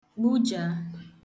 gbuja